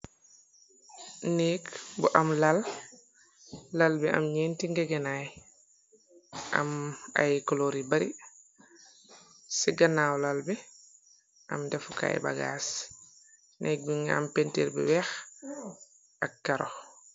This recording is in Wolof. Nekk bu am lal , lal bi am ñeenti nge genaay, am ay coloor yi bare. Ci ganaaw lal bi am defukaay bagaas , nekk bi nga am penter bi weex ak karo.